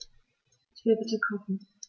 Ich will bitte kochen.